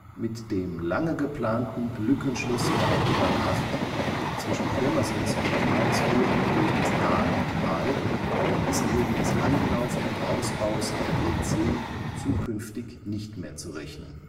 Mit dem lange geplanten Lückenschluss der Autobahn 8 zwischen Pirmasens und Karlsruhe durch das Dahner Tal ist wegen des angelaufenen Ausbaus der B 10 zukünftig nicht mehr zu rechnen